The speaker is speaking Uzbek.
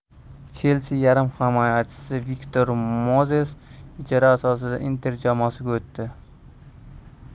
chelsi yarim himoyachisi viktor mozes ijara asosida inter jamoasiga o'tdi